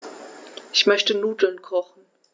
Ich möchte Nudeln kochen.